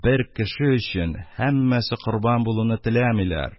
Бер кеше өчен һәммәсе корбан булуны теләмиләр,